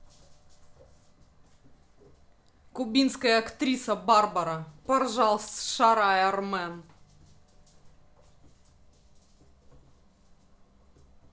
кубинская актриса барбара поржал шарай армен